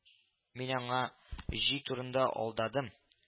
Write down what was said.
Мин аңа җөй турында алдадым